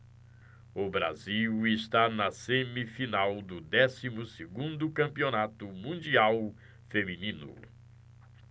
o brasil está na semifinal do décimo segundo campeonato mundial feminino